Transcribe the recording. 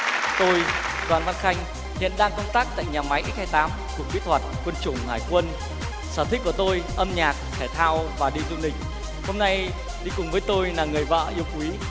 tôi đoàn văn khanh hiện đang công tác tại nhà máy ích hai tám cục kỹ thuật quân chủng hải quân sở thích của tôi âm nhạc thể thao và đi du lịch hôm nay đi cùng với tôi là người vợ yêu quý